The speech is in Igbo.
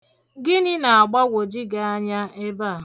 Gịnị na-agbagwoju gị anya ebe a?